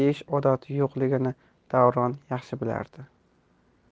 yeyish odati yo'qligini davron yaxshi bilardi